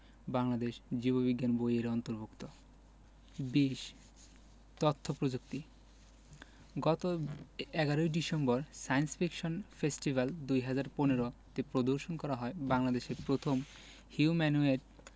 বাংলাদেশ জীব বিজ্ঞান বই এর অন্তর্ভুক্ত ২০ তথ্য প্রযুক্তি গত ১১ ডিসেম্বর সায়েন্স ফিকশন ফেস্টিভ্যাল ২০১৫ তে প্রদর্শন করা হয় বাংলাদেশের প্রথম হিউম্যানোয়েড